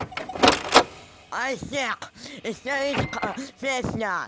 айстик rt истеричка песня